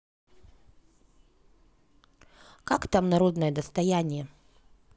как там народное достояние